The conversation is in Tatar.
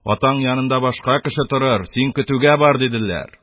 Атаң янында башка кеше торыр, син көтүгә бар, диделәр.